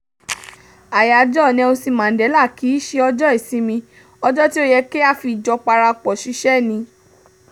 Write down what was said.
Àyájọ́ Nelson Mandela kìí ṣe ọjọ́ ìsinmi - ọjọ́ tí ó yẹ kí a fi jọ parapọ̀ ṣiṣẹ́ ni.